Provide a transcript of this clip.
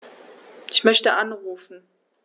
Ich möchte anrufen.